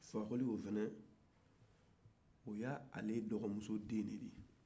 fakoli dun fana y'ale dɔgɔmuso den de ye